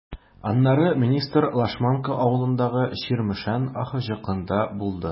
Аннары министр Лашманка авылындагы “Чирмешән” АХҖКында булды.